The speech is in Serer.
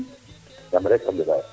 jam rek um ndila \